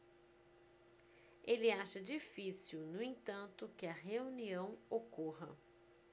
ele acha difícil no entanto que a reunião ocorra